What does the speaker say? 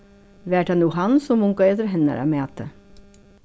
var tað nú hann sum mungaði eftir hennara mati